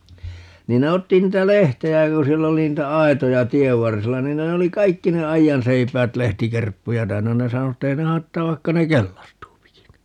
niin ne otti niitä lehtiä ja kun siellä oli niitä aitoja tien varsilla niin ne ne oli kaikki ne aidanseipäät lehtikerppuja täynnä ne sanoi että ei ne haittaa vaikka ne kellastuukin